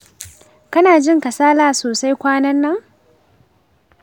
kana jin kasala sosai kwanan nan?